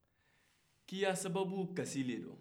k'i ka sabu bɛ kasi dɛ la